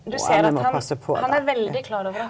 hun Anne må passe på ja ja.